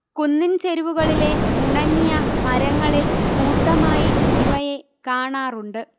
കുന്നിൻ ചെരുവുകളിലെ ഉണങ്ങിയ മരങ്ങളിൽ കൂട്ടമായി ഇവയെ കാണാറുണ്ട്